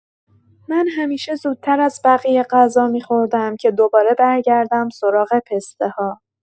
من همیشه زودتر از بقیه غذا می‌خوردم که دوباره برگردم سراغ پسته‌ها.